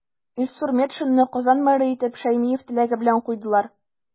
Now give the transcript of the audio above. Илсур Метшинны Казан мэры итеп Шәймиев теләге белән куйдылар.